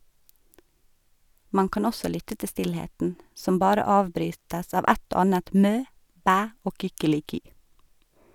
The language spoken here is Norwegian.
Man kan også lytte til stillheten, som bare avbrytes av ett og annet mø, bæ og kykeliky.